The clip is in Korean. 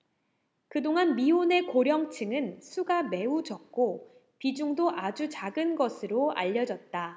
그동안 미혼의 고령층은 수가 매우 적고 비중도 아주 작은 것으로 알려졌다